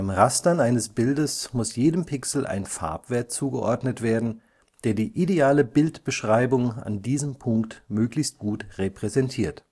Rastern eines Bildes muss jedem Pixel ein Farbwert zugeordnet werden, der die ideale Bildbeschreibung an diesem Punkt möglichst gut repräsentiert